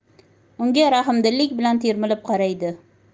unga rahmdillik bilan termilib qaraydi